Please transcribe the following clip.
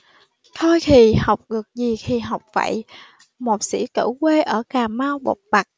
thôi thì học được gì thì học vậy một sĩ tử quê ở cà mau bộc bạch